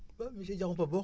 waaw monsieur Diakhoupa boo